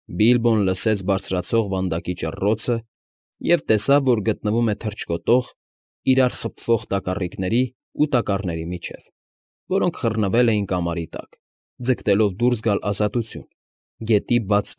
Բիլբոն լսեց բարձրացող վանդակի ճռռոցը և տեսավ, որ գտնվում է թռչկոտող, իրար խփվող տակառիկների ու տակառների միջև, որոնք խռնվել էին կամարի տակ, ձգտելով դուրս գալ ազատություն, գետի բաց։